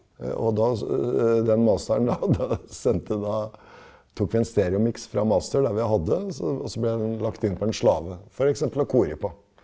og da den masteren da den sendte da tok vi en stereomiks fra master der vi hadde så og så ble den lagt inn på en slave f.eks. å kore på.